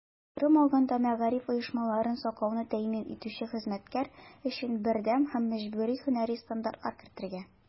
Аерым алганда, мәгариф оешмаларын саклауны тәэмин итүче хезмәткәр өчен бердәм һәм мәҗбүри һөнәри стандартлар кертергә.